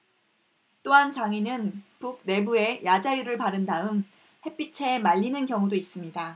또한 장인은 북 내부에 야자유를 바른 다음 햇빛에 말리는 경우도 있습니다